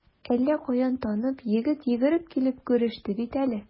Әллә каян танып, егет йөгереп килеп күреште бит әле.